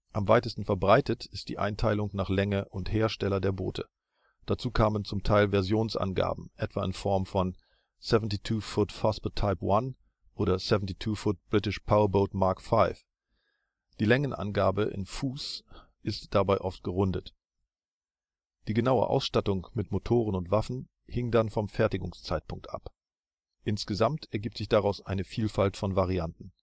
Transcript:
Am weitesten verbreitet ist die Einteilung nach Länge und Hersteller der Boote. Dazu kamen zum Teil Versionsangaben etwa in Form von 72 Foot Vosper Type I oder 72 Foot British Power Boat Mark V. Die Längenangabe in Fuß (ft) ist dabei oft gerundet. Die genaue Ausstattung mit Motoren und Waffen hing dann vom Fertigungszeitpunkt ab. Insgesamt ergibt sich daraus eine Vielfalt von Varianten